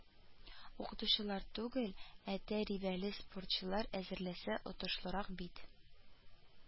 Укытучылар түгел, ә тәрибәле спортчылар әзерләсә отышлырак бит